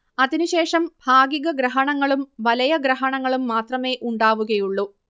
അതിനുശേഷം ഭാഗികഗ്രഹണങ്ങളും വലയഗ്രഹണങ്ങളും മാത്രമേ ഉണ്ടാവുകയുള്ളൂ